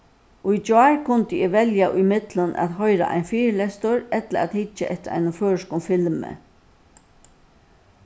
í gjár kundi eg velja ímillum at hoyra ein fyrilestur ella at hyggja eftir einum føroyskum filmi